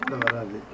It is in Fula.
nafata de